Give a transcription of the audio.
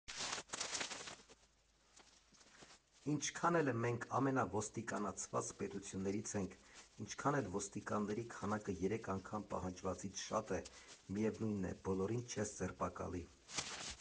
Ինչքան էլ մենք ամենաոստիկանացված պետություններից ենք, ինչքան էլ ոստիկանների քանակը երեք անգամ պահանջվածից շատ է, միևնույն է՝ բոլորին չես ձերբակալի։